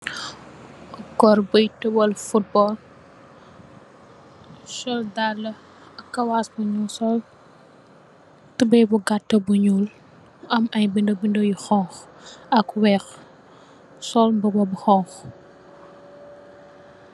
Góor bi dawal football, sol dall ak kawas bu ñuul. sol tubeye bu ñuul gaat bu ñuul, am ay binda, binda yu honku ak weeh. So mbuba bu honku.